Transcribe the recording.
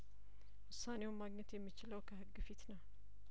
ውሳኔውን ማግኘት የሚችለው ከህግ ፊት ነው